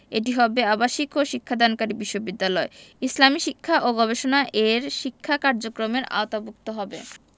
এটি হবে আবাসিক ও শিক্ষাদানকারী বিশ্ববিদ্যালয় ইসলামী শিক্ষা ও গবেষণা এর শিক্ষা কার্যক্রমের অন্তর্ভুক্ত হবে